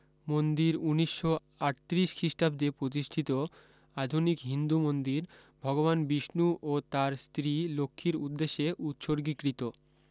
মন্দির উনিশশ আটত্রিশ খ্রীষ্টাব্দে প্রতিষ্ঠিত আধুনিক হিন্দু মন্দির ভগবান বিষ্ণু ও তার স্ত্রী লক্ষীর উদ্দেশ্যে উৎসর্গীকৃত